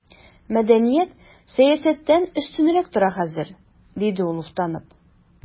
Мәдәният сәясәттән өстенрәк тора хәзер, диде ул уфтанып.